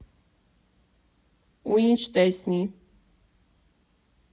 Ու ինչ տեսնի.